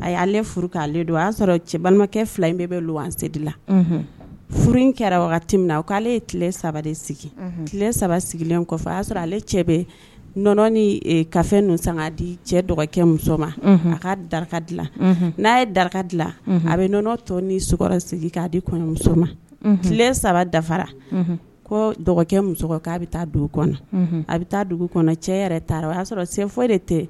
a y'ale furu k'ale le don o y'a sɔrɔ cɛ balimakɛ fila in bɛ anse la furu in kɛra wagati min na o k'ale ye tile saba de sigi tile saba sigilen y'a sɔrɔ ale cɛ nɔnɔɔnɔ ni ka fɛn ninnu san di cɛ dɔgɔkɛ muso ma a ka daraka dilan n'a ye daraka dilan a bɛɔnɔ tɔ ni so sigi k'a dimuso ma tile saba dafara ko dɔgɔ' bɛ taa dugu kɔnɔ a bɛ taa dugu kɔnɔ cɛ yɛrɛ taara o y'a sɔrɔ senfɔ de tɛ